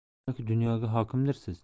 balki dunyoga hokimdirsiz